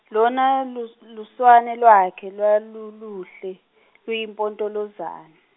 lona lus- luswane lwakhe lwaluluhle luyimpontolozana.